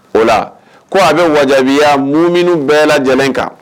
O la ko a bɛ wajabiya muminun bɛɛ lajɛlen kan.